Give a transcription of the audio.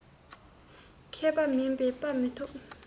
མཁས པ མིན པས དཔའ མི ཐོབ